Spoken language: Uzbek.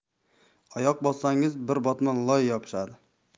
oyoq bossangiz bir botmon loy yopishadi